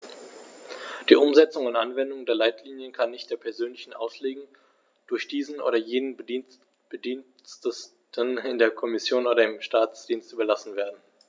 Die Umsetzung und Anwendung der Leitlinien kann nicht der persönlichen Auslegung durch diesen oder jenen Bediensteten in der Kommission oder im Staatsdienst überlassen werden.